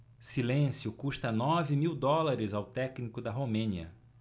silêncio custa nove mil dólares ao técnico da romênia